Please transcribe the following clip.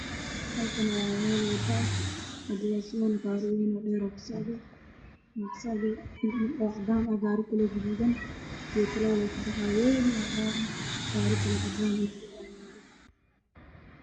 Waa laami waxaa maraayo gaari wayn